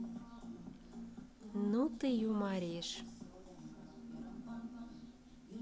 ну ты юморишь